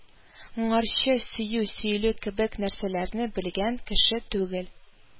Ңарчы сөю-сөелү кебек нәрсәләрне белгән кеше түгел